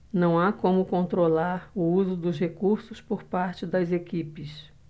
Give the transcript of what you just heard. não há como controlar o uso dos recursos por parte das equipes